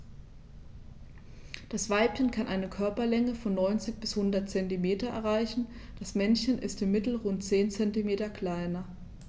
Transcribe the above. Das Weibchen kann eine Körperlänge von 90-100 cm erreichen; das Männchen ist im Mittel rund 10 cm kleiner.